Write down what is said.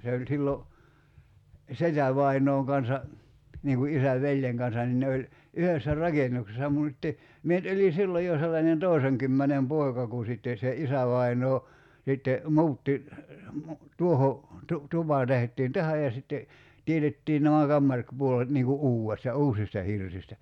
se oli silloin setävainaan kanssa niin kuin isän veljen kanssa niin ne oli yhdessä rakennuksessa mutta sitten minä nyt olin silloin jo sellainen toisenkymmenen poika kun sitten se isävainaa sitten muutti - tuohon - tupa tehtiin tähän ja sitten teetettiin nämä - kamaripuolet niin kuin uudesta uusista hirsistä